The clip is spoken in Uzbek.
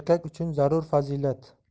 erkak uchun zarur fazilat